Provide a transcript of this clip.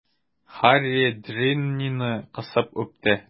Һарри Джиннины кысып үпте.